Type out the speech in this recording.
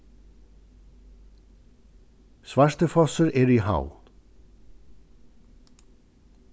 svartifossur er í havn